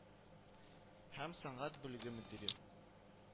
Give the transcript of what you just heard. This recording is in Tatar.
Һәм сәнгать бүлеге мөдире